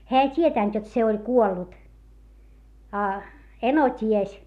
hän ei tiennyt jotta se oli kuollut a eno tiesi